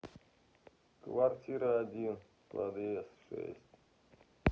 квартира один подъезд шесть